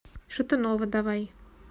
шатунова давай